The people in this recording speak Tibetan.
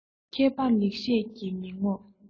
མཁས པ ལེགས བཤད ཀྱིས མི ངོམས